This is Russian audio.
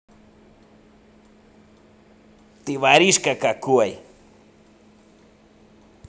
ты воришка какой